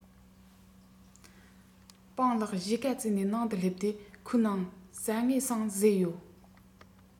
སྤང ལགས གཞིས ཁ རྩེ ནས ནང དུ སླེབས དུས ཁོའི ནང ཟང ངེ ཟིང བཟོས ཡོད